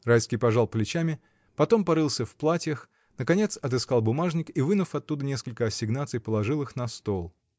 Райский пожал плечами, потом порылся в платьях, наконец отыскал бумажник и, вынув оттуда несколько ассигнаций, положил их на стол.